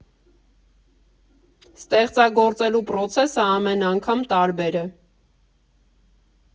Ստեղծագործելու պրոցեսը ամեն անգամ տարբեր է։